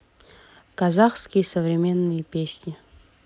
казахские современные песни